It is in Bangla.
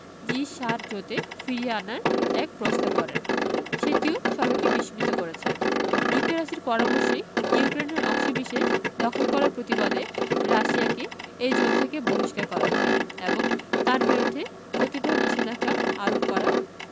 জি ৭ জোটে ফিরিয়ে আনার এক প্রস্তাব করেন সেটিও সবাইকে বিস্মিত করেছে যুক্তরাষ্ট্রের পরামর্শেই ইউক্রেনের অংশবিশেষ দখল করার প্রতিবাদে রাশিয়াকে এই জোট থেকে বহিষ্কার করা হয় এবং তার বিরুদ্ধে কতিপয় নিষেধাজ্ঞা আরোপ করা